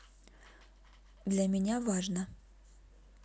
для меня важно